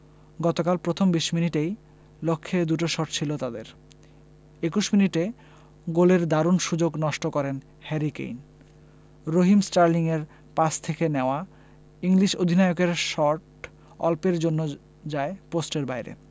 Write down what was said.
গতকাল প্রথম ২০ মিনিটেই লক্ষ্যে দুটো শট ছিল তাদের ২১ মিনিটে গোলের দারুণ সুযোগ নষ্ট করেন হ্যারি কেইন রহিম স্টার্লিংয়ের পাস থেকে নেওয়া ইংলিশ অধিনায়কের শট অল্পের জন্য যায় পোস্টের বাইরে